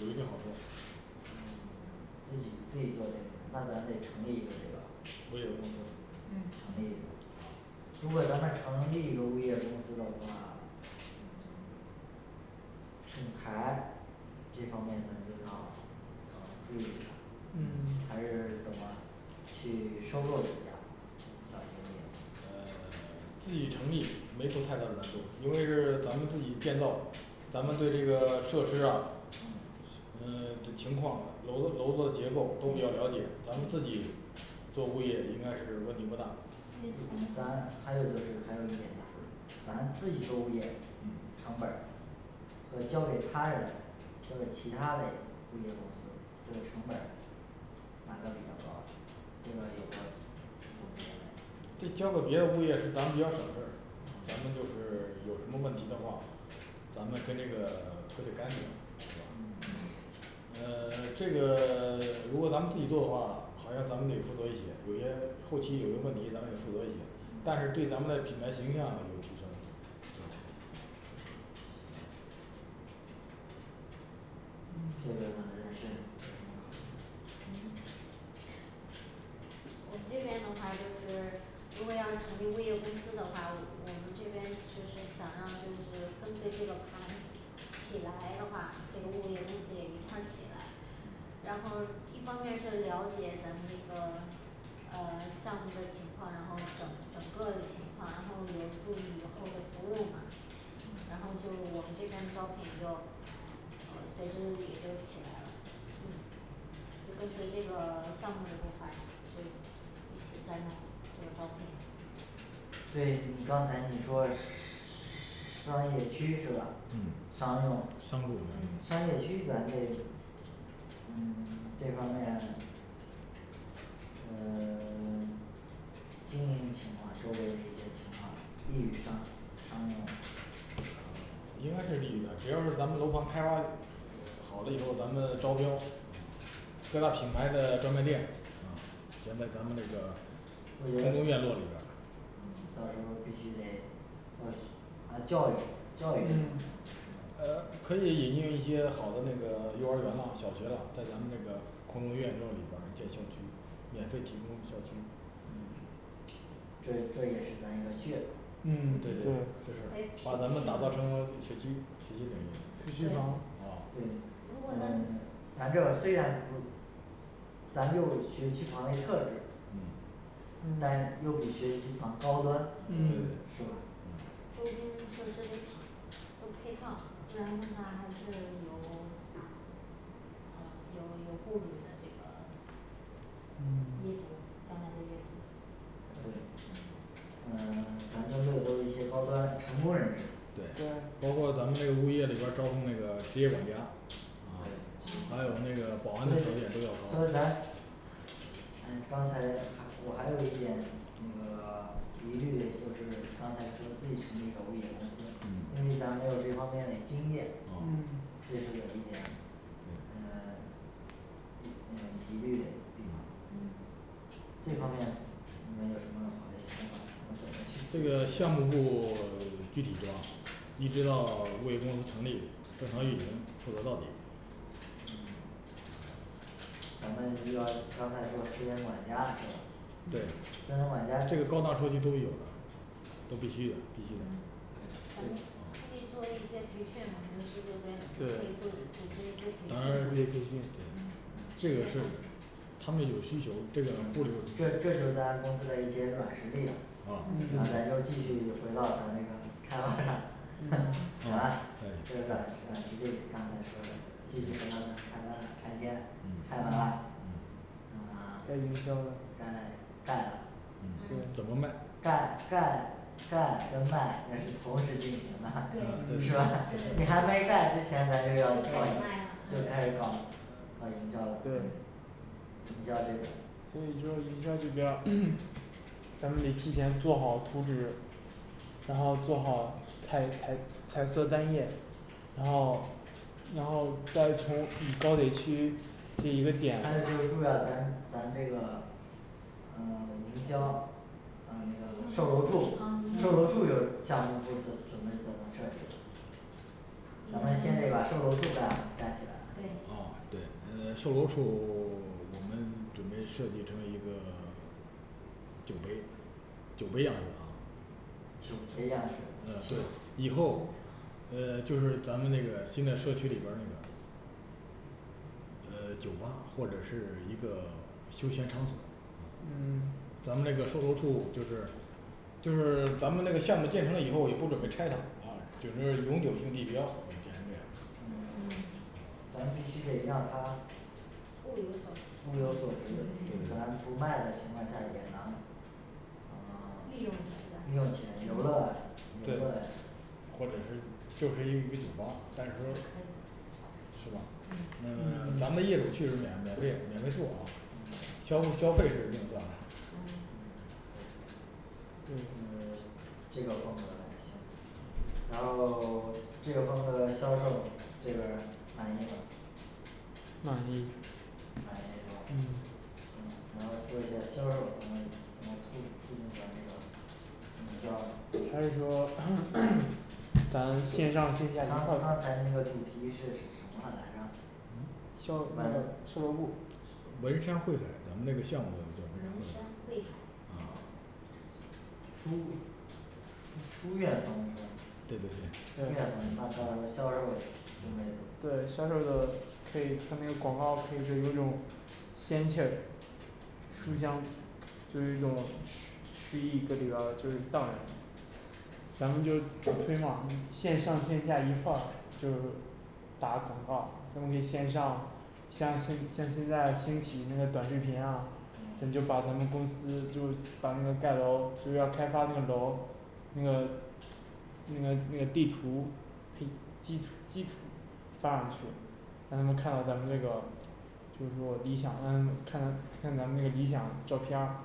有一定好处嗯自己自己做这个那咱得成立一个这个物业公司嗯成立一个如果咱们成立一个物业公司的话品牌这方面咱们就要呃注意一下嗯还是怎么去收购人家小型的呃 自己成立没出太大的难度因为是咱们自己建造咱们对这个设施啊嗯嗯这情况楼楼的结构都比较了解，咱们自己做物业应该是问题不大咱还有一个事还有一点，咱自己做物业成本儿和交给他人，交给其他嘞物业公司这个成本儿哪个比较高啊，这个有个有别的这交给别的物业是咱们比较省事儿咱们就是有什么问题的话咱们跟这个 推得干净是吧嗯嗯嗯 这个 如果咱们自己做的话，好像咱们得负责一些，有些后期有些问题咱得负责一些但嗯是对咱们的品牌形象有提升行嗯这边儿呢人事有什么考虑没我们这边呢话就是如果要成立物业公司的话我我们这边就是想让就是想让就是跟随这个盘起来的话这个物业公司也一块儿起来然后一方面儿是了解咱们那个呃项目的情况，然后整整个的情况，然后有助于以后的服务嘛然嗯后就我们这边的招聘也就呃得不住也就起来了嗯就跟随这个 项目的规划也就外贸这个招聘对你刚才你说是商业区是吧嗯商用商住商业区咱这嗯 这方面嗯 经营情况周围的一些情况利于商商用应该是利于的，只要是咱们楼盘开发好了以后咱们招标各大品牌的专卖店嗯，连在咱们那个空中院落里边儿嗯到时候儿必须得落实啊教育教育这方面嗯呃可以引进一些好的那个幼儿园啦小学啦在咱们那个空中院落里边儿建校区免费提供校区嗯这这也是咱一个噱头嗯对对对对就是把咱们打造成学区学区房学区对房对如果能嗯咱这虽然不咱就学区房嘞特质嗯但嗯又比学区房高端对嗯是对吧周边设施得都配套，不然的话还是有 啊有有顾虑的这个嗯业主这样的业主对嗯 咱这住的都一些高端成功人士对对包括咱们这个物业里边儿招工那个职业管家啊对还有那个所以保安的条件都要所高以咱嗯刚才哈 我还有一点那个， 疑虑嘞就是刚才你说的自己成立一个物业公司，嗯因为咱没有这方面嘞经验哦，嗯这是我一点嗯嗯 嗯疑虑嘞地方嗯这方面你们有什么好嘞想法这个项目部 具体说一直到物业公司成立正常运营负责到底嗯咱们要刚才说私人管家是吧对私人管家这个高档社区都会有的都必须的必须对咱们可的以做一些培训嘛，人事这边都可以做，也可以被当然培独训立对培训这个是他们有需求，这个物流这儿这就是咱公司的一些软实力了，啊啊嗯咱就继续回到咱这个开发上 行啊可，就是以软软实力刚才说的继续回到咱开发那儿拆迁拆嗯完啦嗯该嗯营销盖盖了嗯怎么卖盖盖盖跟卖这是同时进行对的，是吧 你还没盖之前咱就要开始卖了就开始搞搞营销了嗯对营销这边儿所以说营销这边儿 咱们得提前做好图纸然后做好彩彩彩色单页，然后然后再从以高铁区这一个点还有就是主要咱咱们这个嗯 一个教嗯这个售楼处，售楼处的这个项目负责怎么怎么设计咱们先得把售楼处盖盖起来，对哦对，嗯售楼处 我们准备设计成一个 酒杯，酒杯样式啊酒杯样呃式对以后呃就是咱们那个新的社区里边儿那个呃酒吧或者是一个休闲场所嗯咱们那个售楼处就是就是咱们那个项目建成了以后也不准备拆它啊就是永久性地标建成这样嗯嗯咱必须得让它物有所物有所值，咱对对不卖的情况下也能啊 利用起来利用起来留着吧对或者是就是一个酒吧，但是说？是吧嗯嗯 咱嗯们业主去是免免费的免费坐啊消消费是另算这个 这个风格还行然后 这个风格销售这边儿满意吗满意满意是吧嗯行然后说一下销售怎么怎么处理处理咱这个是吧还是说 咱线上线下他刚才那个主题是什么来着嗯销那个售楼部文山会海，咱们那个项目叫文文山山会海会海啊书书院风格对对书院风地大大格销售对销售的可以它那个广告儿可以就有一种仙气儿，书香就是一种诗诗意各地的就是荡然，咱们就主推嘛线上线下一块儿就是打个广告儿，咱们可以线上加深像现在兴起那个短视频啊就把咱们那个公司就把盖楼就是要开发那楼那个那个那个地图呸基础基础放上去，让他们看到咱们这个就是说理想，让他们看看咱们这个理想照片儿